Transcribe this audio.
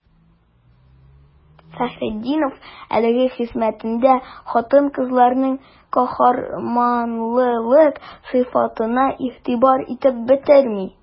Фәхретдинов әлеге хезмәтендә хатын-кызларның каһарманлылык сыйфатына игътибар итеп бетерми.